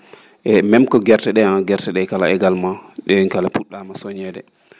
e méme que gerte ?ee ha? gerte ?ee kala également ?en kala pu??aama soñeede